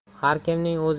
har kimning o'z